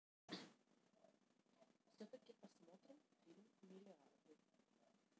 все таки посмотрим фильм миллиарды